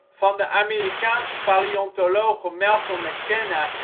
van de Amerikaanse paleontologen Malcolm McKenna